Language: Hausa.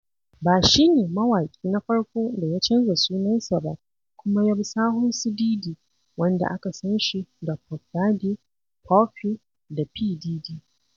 Ba shi ne mawaƙi na farko da ya canza sunansa ba kuma ya bi sahun su Diddy, wanda aka san shi da Puff Daddy, Puffy da P Diddy.